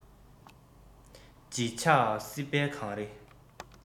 བརྗིད ཆགས སྲིད པའི གངས རི